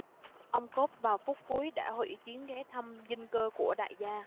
ông cốp vào phút cuối đã hủy chuyến ghé thăm dinh cơ của đại gia